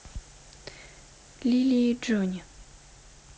лилии jony